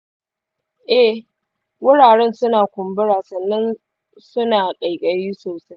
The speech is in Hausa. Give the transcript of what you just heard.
eh, wuraren suna kumbura sannan suna ƙaiƙayi sosai.